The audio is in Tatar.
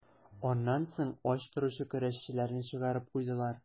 Аннан соң ач торучы көрәшчеләрне чыгарып куйдылар.